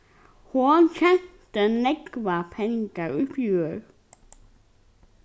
hon tjenti nógvar pengar í fjør